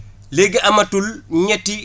léegi amatul ñetti